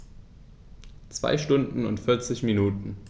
2 Stunden und 40 Minuten